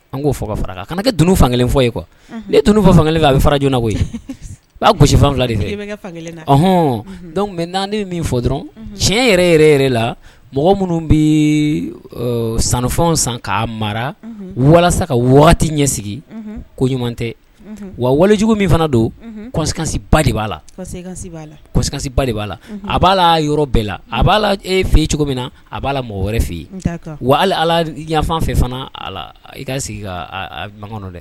An k'o fɔ ka fara kan ka kɛ dunun fan kelenkelen fɔ ye kuwa ne tun fɔ fan kelen a bɛ fara jnako ye'a gosisifan fila de fɛ hɔn dɔnku mɛ naani min fɔ dɔrɔn tiɲɛ yɛrɛ yɛrɛ yɛrɛ la mɔgɔ minnu bɛ sanfɛn san k' mara walasa ka waati wagati ɲɛ sigi ko ɲuman tɛ wa walijugu min fana donkasiba de b'a lakasiba de b'a la a b'a la yɔrɔ bɛɛ la a b'a la e fɛ cogo min na a b'a la mɔgɔ wɛrɛ fɛ yen wa ala yafafan fɛ fana i ka sigi ka mandɔ dɛ